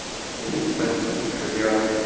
eshitdim kirib yot